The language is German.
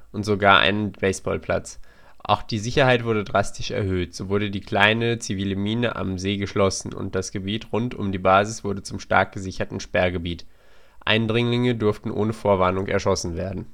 und sogar einen Baseball-Platz. Auch die Sicherheit wurde drastisch erhöht, so wurde die kleine zivile Mine am See geschlossen, und das Gebiet rund um die Basis wurde zum stark gesicherten Sperrgebiet (Eindringlinge durften ohne Vorwarnung erschossen werden